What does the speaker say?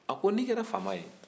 a ko n'i kɛda faama ye